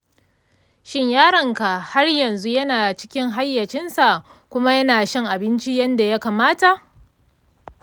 shin yaranka har yanzu yana cikin hayyacinsa kuma yana shan abinci yadda ya kamata?